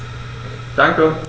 Danke.